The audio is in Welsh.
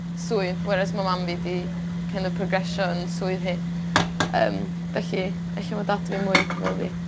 swydd whereas ma' mam fi 'di kin' o' progresio yn swydd hi. Yym felly ella ma' dad fi mwy fel fi.